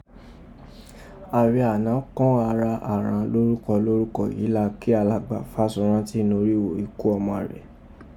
Ààrẹ àná kọ́n ara àghan lorukọ lorukọ èyí la kí alagba Faṣọranti norigho iku ọma rẹ̀.